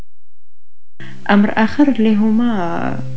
امر اخر لهما